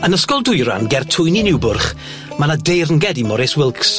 Yn Ysgol Dwyran ger twyni Niwbwrch ma' 'na deyrnged i Maurice Wilks.